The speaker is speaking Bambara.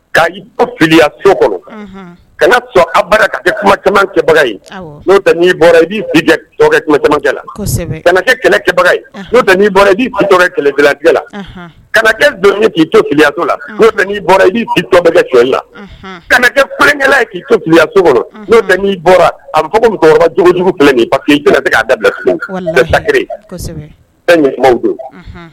Ka fili kɔnɔ kana sɔn a bara kɛ kumakɛkɛbaga n ii kɛmɛkɛ la kanakɛ kɛlɛkɛbaga kɛlɛ la kanakɛ dɔnkili k'i to fili to la i'ikɛ la kakɛ prɛnkɛ k'i to filiyanso kɔnɔo n'i bɔra a fɔ musokɔrɔba cɛkɔrɔba joogojugu ni' da kuma don